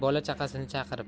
bola chaqasini chaqirib